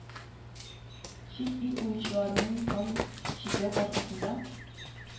Чит ил уенчыларының санн чикләү аркасында,